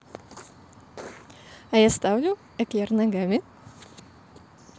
я ставлю эклер ногами